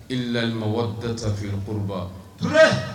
Elayi waati tɛ taa feere pba